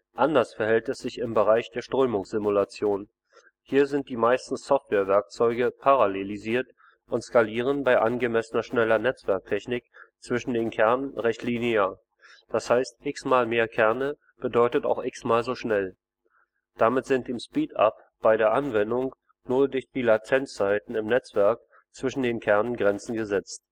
Anders verhält es sich im Bereich der Strömungssimulation. Hier sind die meisten Softwarewerkzeuge parallelisiert und skalieren bei angemessen schneller Netzwerktechnik zwischen den Kernen recht linear, das heißt, x-mal mehr Kerne bedeutet auch x-mal so schnell. Damit sind dem Speedup bei der Anwendung nur durch die Latenzzeiten im Netzwerk zwischen den Kernen Grenzen gesetzt